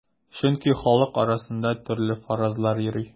Чөнки халык арасында төрле фаразлар йөри.